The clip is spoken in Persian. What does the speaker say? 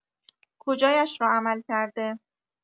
کجایش را عمل کرده؟